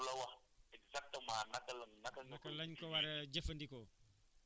parce que nit mën nako nit mën na la ko jaay mais du la wax exactement naka la naka